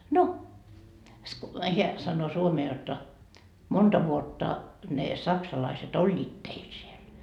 no hän sanoo suomea jotta monta vuotta ne saksalaiset olivat teillä siellä